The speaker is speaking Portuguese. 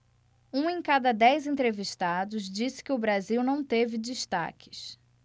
um em cada dez entrevistados disse que o brasil não teve destaques